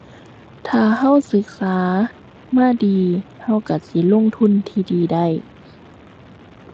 ถ้าเราศึกษามาดี เราเราสิลงทุนที่ดีได้